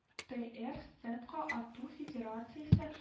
ТР Стендка ату федерациясе